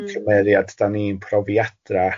...i'r cymeriad dan ni'n profiada